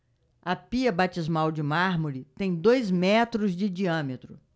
a pia batismal de mármore tem dois metros de diâmetro